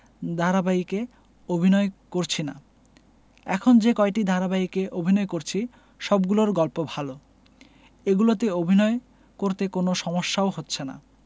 ধারাবাহিকে অভিনয় করছি না এখন যে কয়টি ধারাবাহিকে অভিনয় করছি সবগুলোর গল্প ভালো এগুলোতে অভিনয় করতে কোনো সমস্যাও হচ্ছে না